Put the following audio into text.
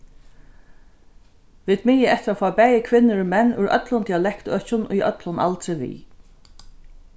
vit miða eftir at fáa bæði kvinnur og menn úr øllum dialektøkjum í øllum aldri við